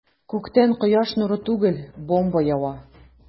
Күктән кояш нуры түгел, бомба ява.